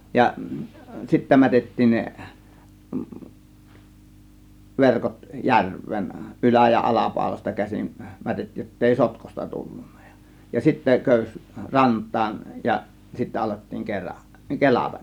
ja sitten mätettiin ne verkot järveen ylä ja alapaulasta käsin mätettiin jotta ei sotkuista tullut ja ja sitten köysi rantaan ja sitten alettiin - kelata